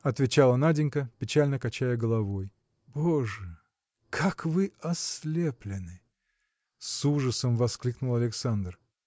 – отвечала Наденька, печально качая головой. – Боже! как вы ослеплены! – с ужасом воскликнул Александр.